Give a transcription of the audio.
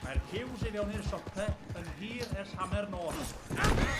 Mae'r ciws i fewn i'r siope yn hir ers hanner nos